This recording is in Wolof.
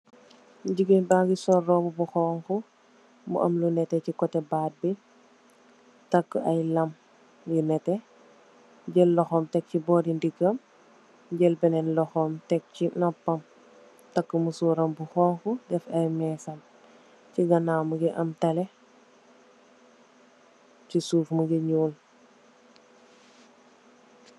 Jigeen bangi sol robu bu xonxo am lu neteh ci coteh bag bi, takkuh ay lamm yu nete jël loxom tek ku ci bori ndigam, jël benen loxom tek ci noppam takka musoor ram bu xonxo daf ay mees sam ci gannaaw mungi am talle ci suuf mungi ñuul.